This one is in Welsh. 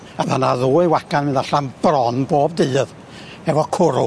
A ma' 'na ddwy wagan yn mynd allan bron bob dydd efo cwrw.